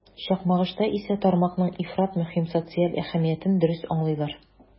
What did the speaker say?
Чакмагышта исә тармакның ифрат мөһим социаль әһәмиятен дөрес аңлыйлар.